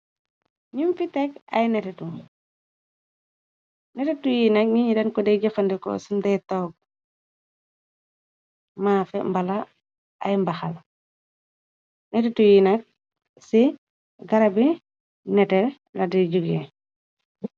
num fi teg ay netetu netetu yi nag niñi dan ko dek jëfandiko ci ndey toog maafe mbala ay mbaxal netetu yi nag ci garabi nete latiy jóge.